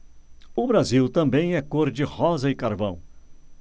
o brasil também é cor de rosa e carvão